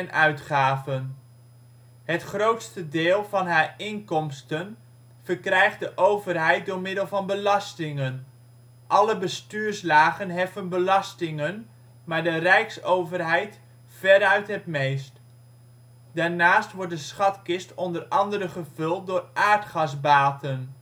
uitgaven Het grootste deel van haar inkomsten verkrijgt de overheid door middel van belastingen. Alle bestuurslagen heffen belastingen, maar de Rijksoverheid veruit het meest. Daarnaast wordt de schatkist onder andere gevuld door aardgasbaten